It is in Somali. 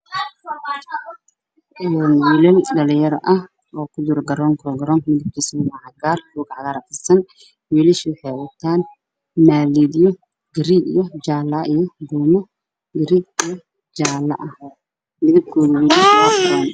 Waa wiilal yar oo banooni ciyaarayaan